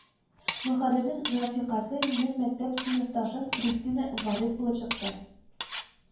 Мөхәррирнең рәфикасе минем мәктәп сыйныфташым Кристиана Варез булып чыкты